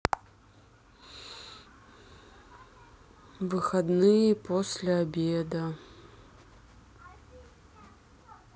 в выходные после обеда